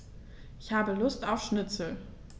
Ich habe Lust auf Schnitzel.